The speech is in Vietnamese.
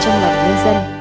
cảnh